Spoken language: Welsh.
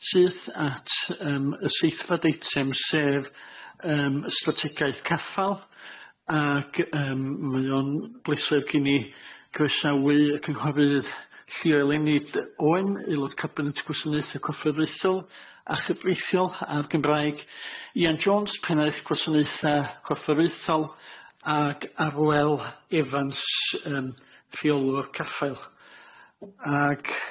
syth at yym y seithfad eitem sef yym y strategaeth caffal ag yym mae o'n bleser gen i croesawu y cynghorydd lleolenid yy Owen aelod cabinet gwasanaethe corfforaethol a chyfreithiol a'r Gymraeg Ian Jones pennaeth gwasanaethe corfforaethol ag Arwel Evans yym rheolwr caffael ag